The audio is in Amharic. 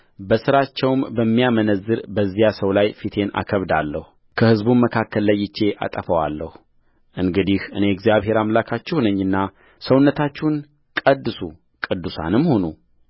በሥራቸውም በሚያመነዝር በዚያ ሰው ላይ ፊቴን አከብዳለሁ ከሕዝቡም መካከል ለይቼ አጠፋዋለሁእንግዲህ እኔ እግዚአብሔር አምላካችሁ ነኝና ሰውነታችሁን ቀድሱ ቅዱሳንም ሁኑ